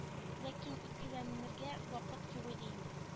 Ләкин икеләнергә вакыт юк иде инде